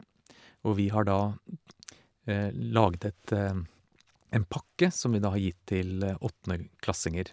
Og vi har da laget et en pakke som vi da har gitt til åttendeklassinger.